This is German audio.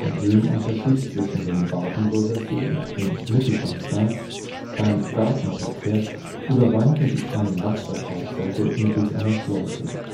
Höhenunterschied zwischen dem Badenburger See und dem Mittelbassin beim Gartenparterre überwanden die kleinen Wasserfahrzeuge mittels einer Schleuse